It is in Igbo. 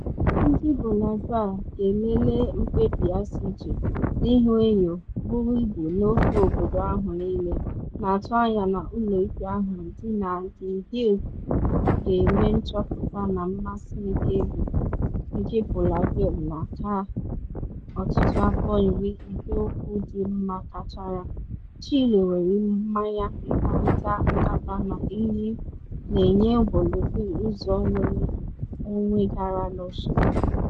Imirikiti ndị Bolivia ga-elele mkpebi ICJ n’ihuenyo buru ibu n’ofe obodo ahụ niile, na atụ anya na ụlọ ikpe ahụ dị na The Hague ga-eme nchọpụta na mmasị nke ebubo nke Bolivia na - ka ọtụtụ afọ iri nke okwu dị mma gachara - Chile nwere mmanye ịkparịta nkata na enye Bolivia ụzọ nnwere onwe gara n’osimiri.